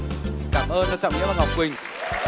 cảm ơn trọng nghĩa và ngọc quỳnh